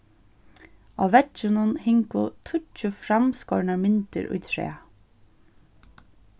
á veggjunum hingu tíggju framskornar myndir í træ